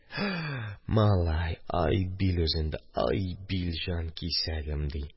Һааа, малай, ай бил үзендә, ай бил, җанкисәгем, – ди.